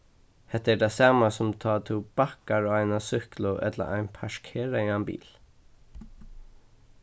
hetta er tað sama sum tá tú bakkar á eina súkklu ella ein parkeraðan bil